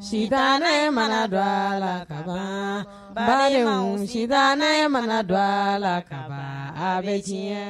Sitanɛn mana do a la ka ban badenw sitanɛn mana do a la ka ban a bɛ tiɲɛ.